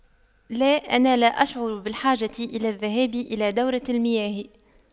لا انا لا اشعر بالحاجة إلى الذهاب إلى دورة المياه